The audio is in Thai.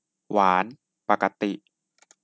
หวานปกติ